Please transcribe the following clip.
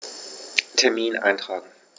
Termin eintragen